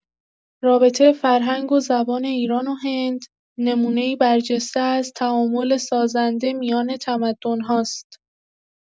رابطه فرهنگ و زبان ایران و هند نمونه‌ای برجسته از تعامل سازنده میان تمدن‌هاست.